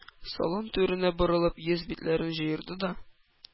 Салон түренә борылып, йөз-битләрен җыерды да: